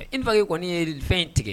I fake kɔni ye fɛn in tigɛ